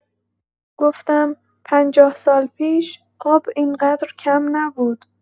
گفتم: «پنجاه سال پیش آب این‌قدر کم نبود.»